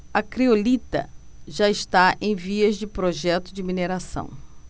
a criolita já está em vias de projeto de mineração